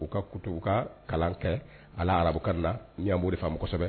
U ka kutu u kaa kalan kɛ a la arabukan na ɲ'an b'o de faamu kɔsɛbɛ